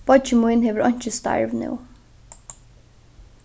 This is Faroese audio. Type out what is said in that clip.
beiggi mín hevur einki starv nú